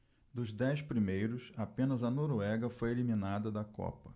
dos dez primeiros apenas a noruega foi eliminada da copa